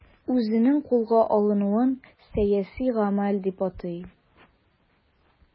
Үзенең кулга алынуын сәяси гамәл дип атый.